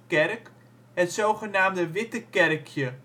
kerk, het zogenaamde Witte Kerkje